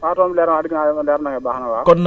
waaw tontu bi leer na waa dégg naa leer na baax na waaw